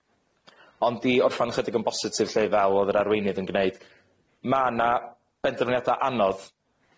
yn gynharach yn y, yn y tymor yma felly, yy ac yy diolch i'n wthang i am 'u gwasanaeth.